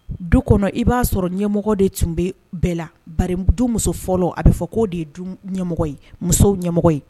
Du kɔnɔ i b'a sɔrɔ ɲɛmɔgɔ de tun bɛ bɛɛ la du muso fɔlɔ a bɛ fɔ ko de ye ɲɛmɔgɔ ye musow ɲɛmɔgɔ ye